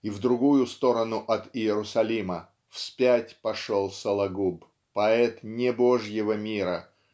И в другую сторону от Иерусалима вспять пошел Сологуб поэт небожьего мира